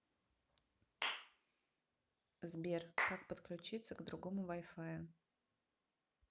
сбер как подключиться к другому вай фаю